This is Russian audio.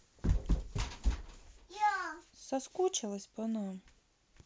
соскучалась по нам